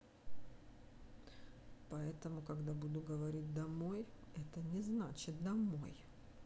поэтому когда буду говорить домой это не значит домой